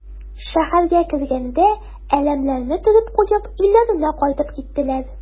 Шәһәргә кергәндә әләмнәрне төреп куеп өйләренә кайтып киттеләр.